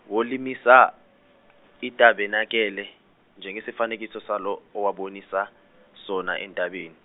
wolimisa itabemakele njengesifanekiso salo waboniswa sona entabeni.